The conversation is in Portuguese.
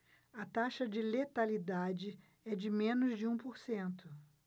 a taxa de letalidade é de menos de um por cento